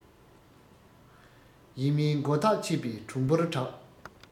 ཡིན མིན མགོ ལྟག ཕྱེད པས གྲུང བོར གྲགས